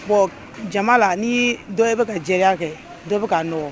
Jama la ni dɔ bɛ ka jeliya kɛ dɔ bɛ'aɔgɔn